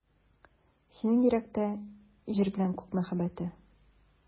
Сезнең йөрәктә — Җир белә Күк мәхәббәте.